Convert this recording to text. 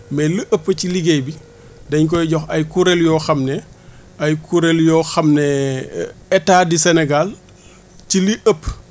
mais li ëpp ci liggéey bi dañ koy jox ay kuréel yoo xam ne ay kuréel yoo xam ne état du Sénégal ci li ëpp